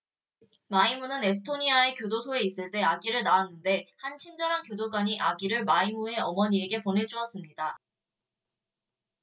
마이무는 에스토니아의 교도소에 있을 때 아기를 낳았는데 한 친절한 교도관이 아기를 마이무의 어머니에게 보내 주었습니다